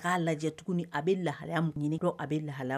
K'a lajɛ tugunni a bɛ lahalaya min ɲini dɔ a bɛ lahalaya m